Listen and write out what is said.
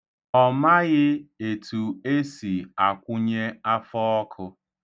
Ọ maghị etu e si akwụnye afọọkụ.